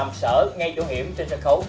sàm sỡ ngay chỗ hiểm trên sân khấu